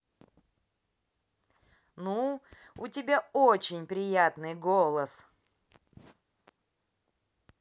ну у тебя очень приятный голос